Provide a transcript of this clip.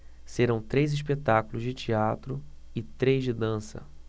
serão três espetáculos de teatro e três de dança